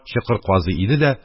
Чокыр казый иде дә